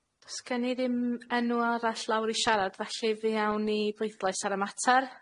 Do's gen i ddim enw arall lawr i siarad, felly fe awn ni i bleidlais ar y mater.